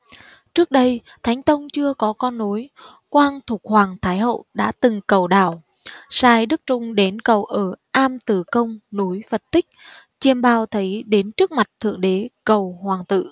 trước đây thánh tông chưa có con nối quang thục hoàng thái hậu đã từng cầu đảo sai đức trung đến cầu ở am từ công núi phật tích chiêm bao thấy đến trước mặt thượng đế cầu hoàng tự